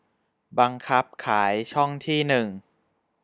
บังคับขายช่องที่หนึ่ง